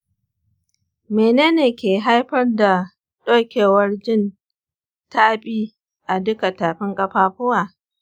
mene ne ke haifar da ɗaukewar jin taɓi a duka tafin ƙafafuwa?